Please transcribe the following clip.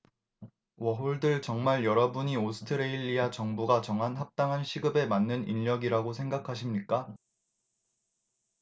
워홀들 정말 여러분이 오스트레일리아 정부가 정한 합당한 시급에 맞는 인력이라고 생각하십니까